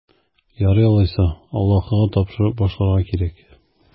Ярый алайса, Аллаһыга тапшырып башларга кирәк.